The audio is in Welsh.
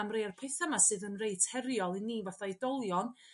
am rei o'r petha' 'ma sydd yn reit heriol i ni fath oedolion